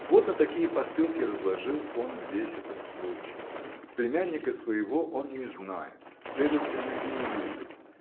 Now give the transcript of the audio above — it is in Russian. Вот на какие посылки разложил он весь этот случай. Племянника своего он не знает следовательно и не любит